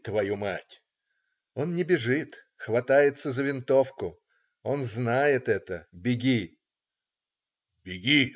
твою мать!" Он не бежит, хватается за винтовку, он знает это "беги". "Беги.